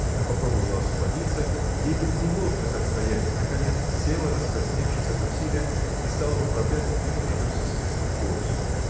Она попробовала освободиться, ей было неловко так стоять, наконец села, раскрасневшись от усилия, и стала поправлять сдвинувшуюся с места косу.